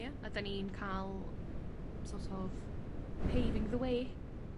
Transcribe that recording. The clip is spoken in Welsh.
Ia a 'dan ni'n ca'l so't of paving the way.